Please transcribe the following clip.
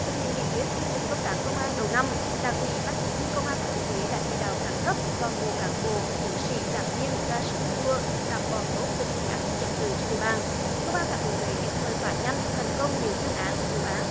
thực hiện nghị quyết chương trình công tác công an đầu năm đảng ủy ban chỉ huy công an thành phố huế đã chỉ đạo các cấp toàn bộ cán bộ chiến sĩ đảng viên ra sức thi đua đảm bảo tốt tình hình an ninh trật tự trên địa bàn công an thành phố huế kịp thời phá nhanh thành công nhiều chuyên án vụ án